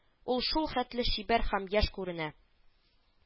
Ул шулхәтле чибәр һәм яшь күренә